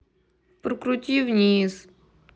прокрути вниз